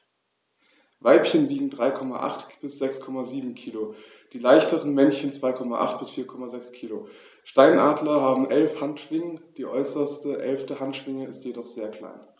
Weibchen wiegen 3,8 bis 6,7 kg, die leichteren Männchen 2,8 bis 4,6 kg. Steinadler haben 11 Handschwingen, die äußerste (11.) Handschwinge ist jedoch sehr klein.